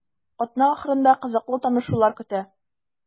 Атна ахырында кызыклы танышулар көтә.